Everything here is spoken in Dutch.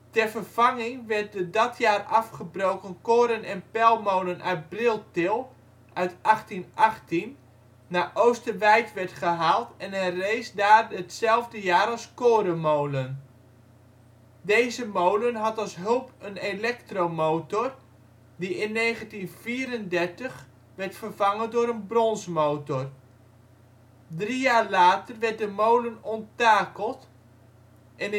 Ter vervanging werd de dat jaar afgebroken koren - en pelmolen uit Briltil uit 1818 naar Oosterwijtwerd gehaald en herrees daar hetzelfde jaar als korenmolen. Deze molen had als hulp een elektromotor, die in 1934 werd vervangen door een bronsmotor. Drie jaar later werd de molen onttakeld en in 1962